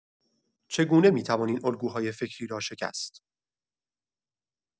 چگونه می‌توان این الگوهای فکری را شکست؟